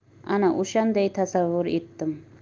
ana o'shanday tasavvur etdim